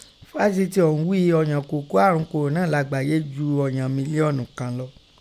Fásitì ọ̀ún ghíi, ọ̀ọ̀yàn kó kó ààrùn kòrónà lágbáyé ju ọ̀ọ̀yàn mílíọ́ọ̀nù kàn lọ.